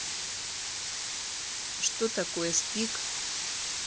что такое speak